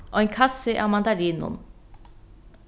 ein kassi av mandarinum